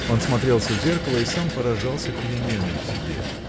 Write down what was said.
Он смотрелся в зеркало и сам поражался переменой в себе.